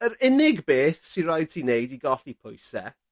Yr unig beth sy raid ti neud i golli pwyse